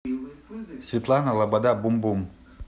светлана лобода бум бум